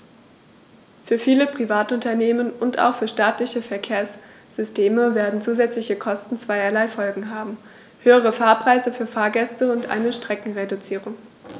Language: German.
Für viele Privatunternehmen und auch für staatliche Verkehrssysteme werden zusätzliche Kosten zweierlei Folgen haben: höhere Fahrpreise für Fahrgäste und eine Streckenreduzierung.